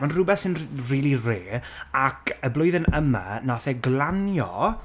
Mae'n rhywbeth sy'n r- rili rare ac, y blwyddyn yma, wnaeth e glanio...